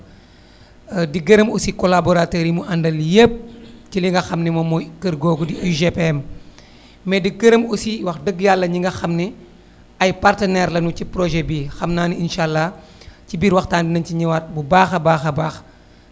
di gërëm aussi collaborateur yi mu àndal yëpp ci li nga xam ne moom mooy kër googu di UGPM mais di gërëm aussi wax dëgg yàlla ñi nga xam ne ay partenaires lañu ci projet bii xam naa ni incha allah ci biir waxtaan bi nañu ci ñëwaat bu baax a baax baax a baax